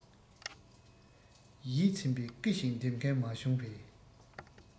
ཡིད ཚིམ པའི ཀི ཞིག འདེབས མཁན མ བྱུང བས